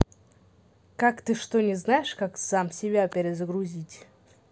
как ты что не знаешь как сам себя перезагрузить